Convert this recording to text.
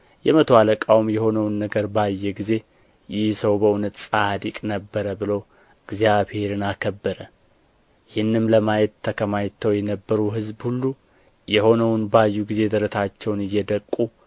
የመቶ አለቃውም የሆነውን ነገር ባየ ጊዜ ይህ ሰው በእውነት ጻድቅ ነበረ ብሎ እግዚአብሔርን አከበረ ይህንም ለማየት ተከማችተው የነበሩ ሕዝብ ሁሉ የሆነውን ባዩ ጊዜ ደረታቸውን እየደቁ